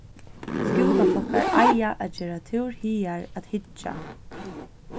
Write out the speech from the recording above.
skúlaflokkar eiga at gera túr higar at hyggja